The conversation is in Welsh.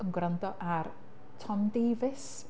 Yn gwrando ar Tom Davies.